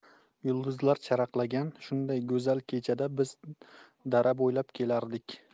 yulduzlar charaqlagan shunday go'zal kechada biz dara bo'ylab kelardik